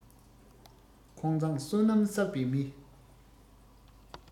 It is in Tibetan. ཁོང མཛངས བསོད ནམས བསགས པའི མི